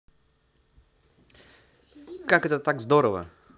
как это так здорово